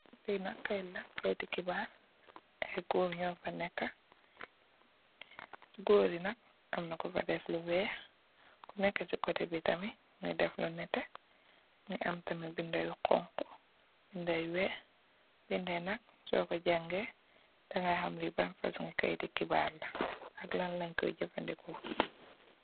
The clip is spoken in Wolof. Li nak kayit la kayiti xibarr la, ay gór ñu fa nèkka. Ci gór yi nak am na ku fa def lu wèèx, ku nekka ci koteh bi tamit mugii def lu netteh. Mugii am tamit bindé yu xonxu, bindé yu wèèx, bindé yi nak so ko jangèè di ga xam li ban fasungi kayiti xibarr la ak lan lañ koy jafandiko.